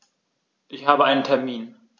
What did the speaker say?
Ich habe einen Termin.